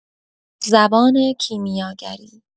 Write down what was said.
زبان کیمیاگری